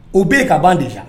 O bɛ ka ban de la